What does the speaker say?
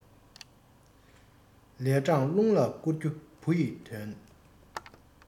ལས འབྲས རླུང ལ བསྐུར རྒྱུ བུ ཡི དོན